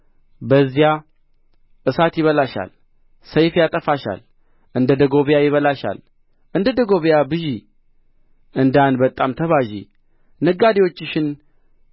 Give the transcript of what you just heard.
በዚያ እሳት ይበላሻል ሰይፍ ያጠፋሻል እንደ ደጎብያ ይበላሻል እንደ ደጎብያ ብዢ እንደ አንበጣም ተባዢ ነጋዴዎችሽን